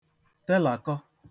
telàkọ